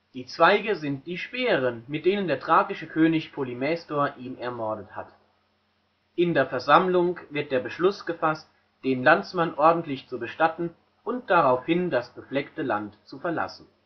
die Zweige sind die Speere, mit denen der thrakische König Polymestor ihn ermordet hat. In der Versammlung wird der Beschluss gefasst, den Landsmann ordentlich zu bestatten und daraufhin das befleckte Land zu verlassen